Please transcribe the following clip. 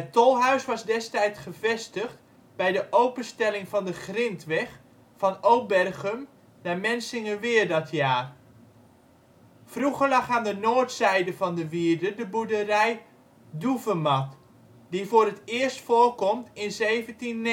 tolhuis was destijds gevestigd bij de openstelling van de grindweg van Obergum naar Mensingeweer dat jaar. Vroeger lag aan de noordzijde van de wierde de boerderij ' Doevemat ', die voor het eerst voorkomt in 1719. In 1855